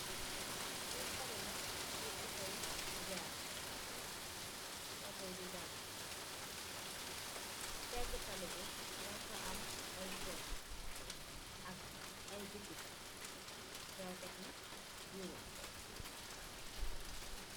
Li Tali la fu otoyi di jarr, fu otoyi di daw. Si pegi talibi yang fa am ay kerr, ak ay butik jai kati yere.